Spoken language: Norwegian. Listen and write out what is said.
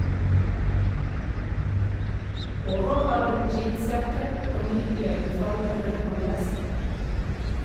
Over hadde hun jeansjakke og ny iøynefallende rød håndveske.